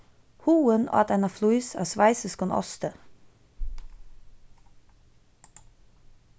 hugin át eina flís av sveisiskum osti